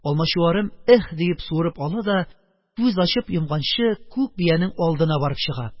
Алмачуарым "эһ" дип суырып ала да, күз ачып йомганчы, күк биянең алдына барып чыга.